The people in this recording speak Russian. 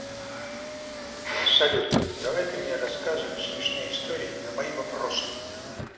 салют давай ты мне рассказываешь смешные истории на мои вопросы